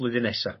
flwyddyn nesa.